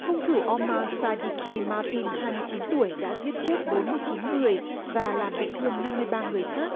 hung thủ o ma sa đi kin ma tin hai mươi chín tuổi đã giết chết bốn mươi chín người và làm bị thương năm mươi ba người khác